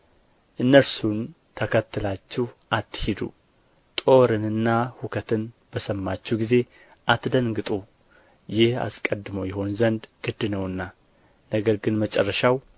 እነርሱን ተከትላችሁ አትሂዱ ጦርንና ሁከትንም በሰማችሁ ጊዜ አትደንግጡ ይህ አስቀድሞ ይሆን ዘንድ ግድ ነውና ነገር ግን መጨረሻው